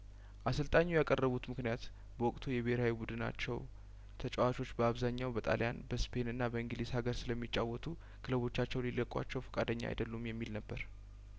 አሰልጣኙ ያቀረቡት ምክንያት በወቅቱ የብሄራዊ ቡድናቸው ተጫዋቾች በአብዛኛው በጣልያን በስፔንና በእንግሊዝ ሀገር ስለሚጫወቱ ክለቦቻቸው ሊለቋቸው ፍቃደኛ አይደሉም የሚል ነበር